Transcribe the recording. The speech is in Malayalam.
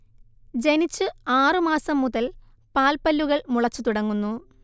ജനിച്ച് ആറുമാസം മുതൽ പാൽപ്പല്ലുകൾ മുളച്ചുതുടങ്ങുന്നു